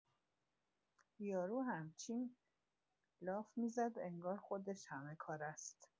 یارو همچین لاف می‌زد انگار خودش همه کاره‌ست!